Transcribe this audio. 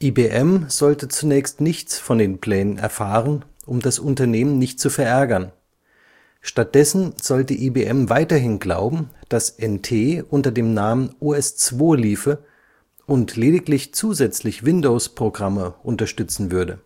IBM sollte zunächst nichts von den Plänen erfahren, um das Unternehmen nicht zu verärgern. Stattdessen sollte IBM weiterhin glauben, dass NT unter dem Namen OS/2 liefe, und lediglich zusätzlich Windows-Programme unterstützen würde